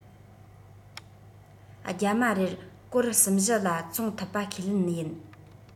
རྒྱ མ རེར གོར གསུམ བཞི ལ བཙོངས ཐུབ པ ཁས ལེན ཡིན